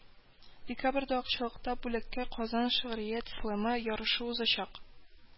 Декабрьдә акчалата бүләккә «казан шигърият слэмы» ярышы узачак